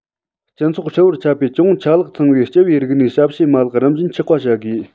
སྤྱི ཚོགས ཧྲིལ པོར ཁྱབ པའི ཅུང ཆ ལག ཚང བའི སྤྱི པའི རིག གནས ཞབས ཞུའི མ ལག རིམ བཞིན ཆགས པ བྱ དགོས